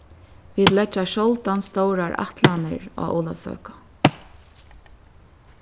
vit leggja sjáldan stórar ætlanir á ólavsøku